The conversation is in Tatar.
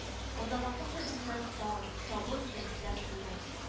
Азаматның бу сүзеннән тау табын дертләп куйды